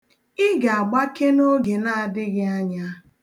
Ị ga-agbake n'oge na-adịghị anya.